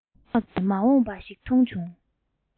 གསེར མདོག གི མ འོངས པ ཞིག མཐོང བྱུང